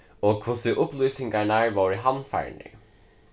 og hvussu upplýsingarnar vóru handfarnir